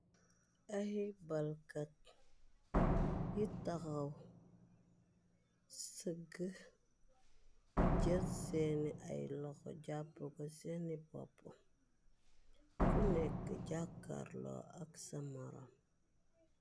ay balkat yi taxaw sëgg jër seeni ay laxo jàppko seeni popp ku nekk jàakar loo ak samara